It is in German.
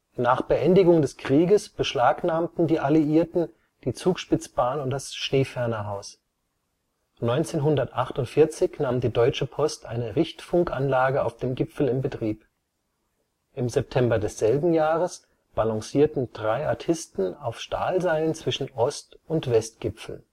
Nach Beendigung des Krieges beschlagnahmten die Alliierten die Zugspitzbahn und das Schneefernerhaus. 1948 nahm die Deutsche Post eine Richtfunkanlage auf dem Gipfel in Betrieb. Im September desselben Jahres balancierten drei Artisten auf Stahlseilen zwischen Ost - und Westgipfel